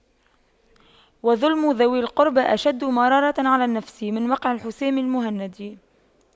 وَظُلْمُ ذوي القربى أشد مرارة على النفس من وقع الحسام المهند